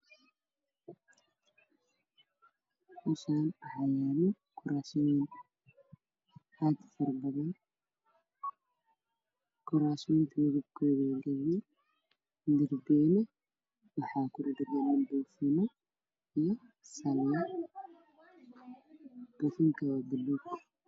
Meeshan waxayaalo kuraasi midabkooduyahay guduud liin iyo salaan